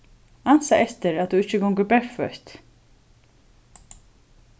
ansa eftir at tú ikki gongur berføtt